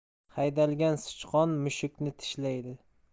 haydalgan sichqon mushukni tishlaydi